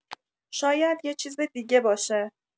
شاید یه چیز دیگه باشه